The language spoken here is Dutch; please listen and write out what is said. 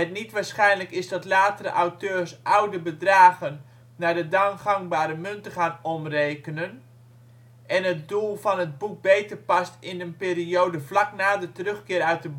niet waarschijnlijk is dat latere auteurs oude bedragen naar de dan gangbare munten gaan omrekenen, en het doel van het boek beter past in een periode vlak na de terugkeer uit de